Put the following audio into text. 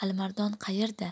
alimardon qayerda